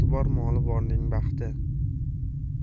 bor moli borning baxti